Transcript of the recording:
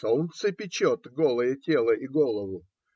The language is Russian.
солнце печет голое тело и голову.